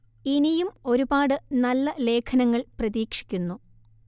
ഇനിയും ഒരുപാട് നല്ല ലേഖനങ്ങൾ പ്രതീക്ഷിക്കുന്നു